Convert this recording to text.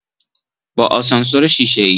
با آسانسور شیشه‌ای